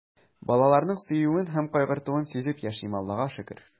Балаларның сөюен һәм кайгыртуын сизеп яшим, Аллага шөкер.